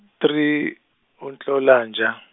three, uNhlolanja.